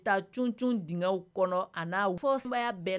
Taa cun d kɔnɔ a fɔ sumayaya bɛɛ